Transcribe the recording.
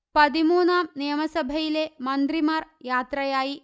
പതിമൂന്നാം നിയമസഭയിലെ മന്ത്രിമാർ യാത്രയായി